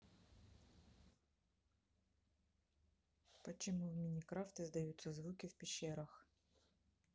почему в minecraft издаются звуки в пещерах